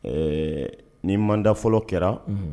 Ɛɛ ni manda fɔlɔ kɛra